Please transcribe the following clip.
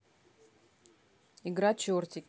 игра чертики